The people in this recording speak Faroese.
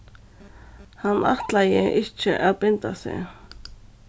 hann ætlaði ikki at binda seg